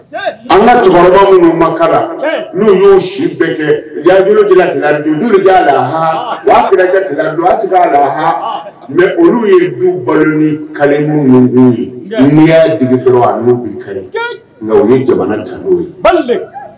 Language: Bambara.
An ka cɛkɔrɔba minnu ma n'u y'o si bɛɛ kɛ ti du laha ua ti a sigi laha mɛ olu ye du balo nile ye n'i y'a dɔrɔn bin nka u ye jamana jan ye